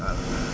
waaw